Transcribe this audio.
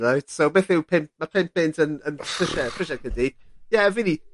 reit so beth yw pum... Ma' pum punt yn yn prisie prisie dydi? Ie fi 'di